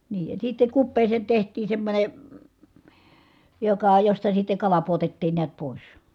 niin ja sitten kupeeseen tehtiin semmoinen joka josta sitten kala pudotettiin näet pois